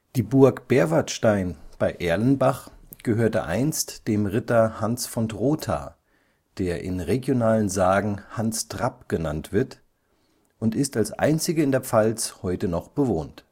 Die Burg Berwartstein bei Erlenbach gehörte einst dem Ritter Hans von Trotha, der in regionalen Sagen Hans Trapp genannt wird, und ist als einzige in der Pfalz noch heute bewohnt